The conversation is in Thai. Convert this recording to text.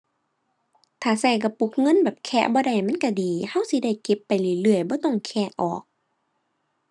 ถ้าใช้กระปุกเงินแบบแคะบ่ได้มันใช้ดี ใช้สิได้เก็บไปเรื่อยเรื่อยบ่ต้องแคะออก